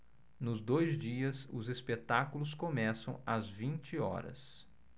nos dois dias os espetáculos começam às vinte horas